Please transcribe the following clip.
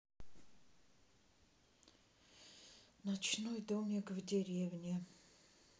ночной домик в деревне